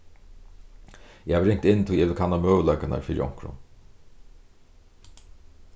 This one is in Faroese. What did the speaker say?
eg havi ringt inn tí eg vil kanna møguleikarnar fyri onkrum